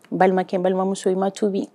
Balimakɛ n balimamuso i ma tubi.